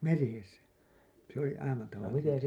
meressä se oli aina tavallisesti